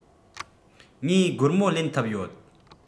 ངས སྒོར མོ ལེན ཐུབ ཡོད